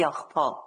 Diolch Paul.